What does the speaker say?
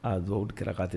Aaa dugawu kɛra k'tɛ